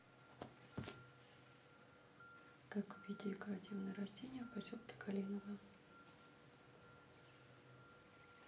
как купить декоративные растения в поселке калиново